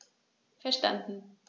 Verstanden.